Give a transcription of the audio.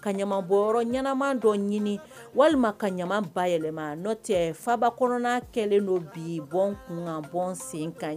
Ka ɲamanbɔyɔrɔ ɲɛnama dɔ ɲini walima ka ɲaman bayɛlɛma nɔtɛɛ faaba kɔnɔna kɛlen do bii bɔ n kun kan bɔ n sen kan